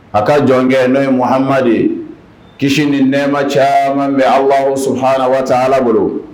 A ka jɔn kɛ n'o ye muhama de ye kisi ni nɛma caman bɛ aw'aw suhara waa ala bolo